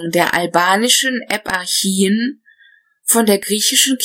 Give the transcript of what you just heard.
der albanischen Eparchien von der griechischen